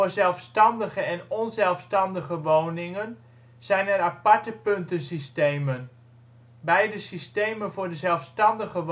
zelfstandige en onzelfstandige woningen zijn er aparte puntensystemen. Bij de systeem voor de zelfstandige